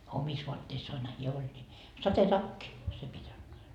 omissa vaatteissaanhan hän oli niin sadetakki se piti antaa